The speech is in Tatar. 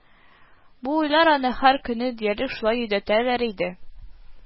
Бу уйлар аны һәр көнне диярлек шулай йөдәтәләр иде